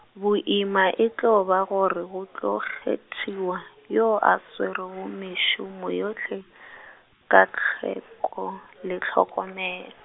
boima e tlo ba gore go tlo kgethiwa, yoo a swerego mešomo yohle , ka tlhweko le tlhokomelo.